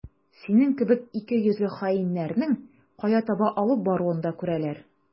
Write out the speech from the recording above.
Синең кебек икейөзле хаиннәрнең кая таба алып баруын да күрәләр.